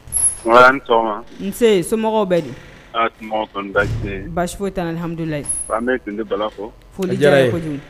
A ni sɔgɔma. Nse somɔgɔw bɛ di? Aa somɔgɔw kɔnni basi tɛ yen. Basi foyi t'an la alihamidulila. Ko an bɛ tonton Bala fo. Foli diyara an ye kojugu a diyara an ye.